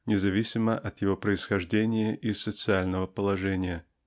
независимо от его происхождения и социального положения.